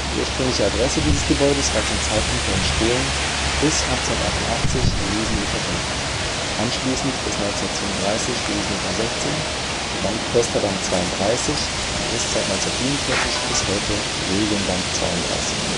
ursprüngliche Adresse dieses Gebäudes war zum Zeitpunkt der Entstehung bis 1888 Louisen-Ufer 5, anschließend bis 1937 Luisenufer 16, dann Kösterdamm 32, und ist seit 1947 bis heute Legiendamm 32.